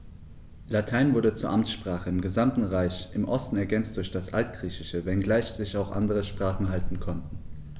Latein wurde zur Amtssprache im gesamten Reich (im Osten ergänzt durch das Altgriechische), wenngleich sich auch andere Sprachen halten konnten.